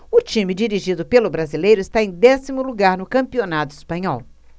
o time dirigido pelo brasileiro está em décimo lugar no campeonato espanhol